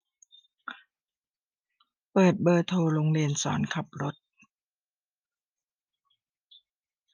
เปิดเบอร์โทรโรงเรียนสอนขับรถ